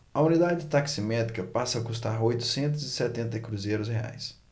a unidade taximétrica passa a custar oitocentos e setenta cruzeiros reais